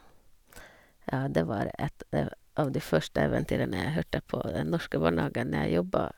Ja, det var et dev av de første eventyrene jeg hørte på den norske barnehagen jeg jobba.